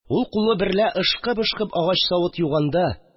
Ул кулы берлә ышкып-ышкып агач савыт юганда